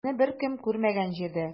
Безне беркем күрмәгән җирдә.